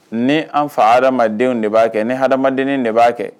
Ni an fa hadamadenw de b'a kɛ ne ha adamadamaden de b'a kɛ